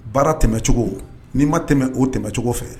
Baara tɛmɛcogo, n'i ma tɛmɛ o tɛmɛcogo fɛ